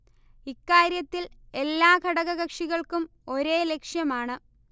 ഇക്കാര്യത്തിൽ എല്ലാ ഘടക കക്ഷികൾക്കും ഒരേ ലക്ഷ്യമാണ്